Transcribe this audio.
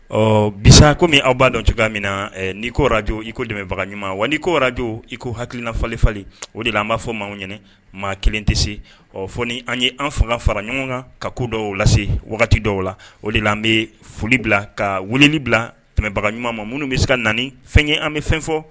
Ɔ bisa kɔmi min aw b'a dɔn cogoya min na ni koraj iko dɛmɛbaga ɲuman wa ni kooraj iko hakiinafalifali o de la an b'a fɔ maa ɲ maa kelen tɛ se ɔ fɔ ni an ye an fanga fara ɲɔgɔn kan ka ko dɔ lase wagati dɔw la o de la bɛ foli bila ka wulili bila tɛmɛbaga ɲuman ma minnu bɛ se ka naani fɛn ye an bɛ fɛn fɔ